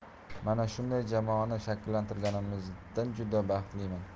mana shunday jamoani shakllantriganimizdan juda baxtliman